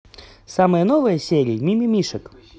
самые новые серии мимимишек